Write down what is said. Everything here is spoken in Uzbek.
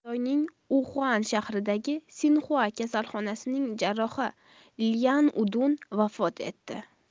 xitoyning uxan shahridagi sinxua kasalxonasining jarrohi lyan udun vafot etdi